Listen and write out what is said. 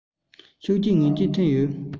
ཤུགས རྐྱེན ངེས ཅན ཐེབས ཡོད